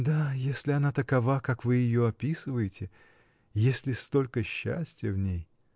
— Да, если она такова, как вы ее описываете, если столько счастья в ней.